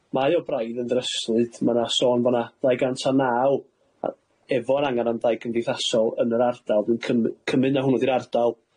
Mae o braidd yn ddryslyd. Ma' na sôn bo' 'na ddau gant a naw a- efo'r angan am dai cymdeithasol yn yr ardal. Dwi'n cym- cymyd na hwnnw di'r ardal